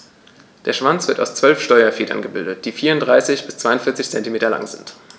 Der Schwanz wird aus 12 Steuerfedern gebildet, die 34 bis 42 cm lang sind.